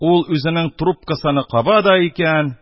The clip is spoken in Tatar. Ул үзенең трубкасыны каба да икән,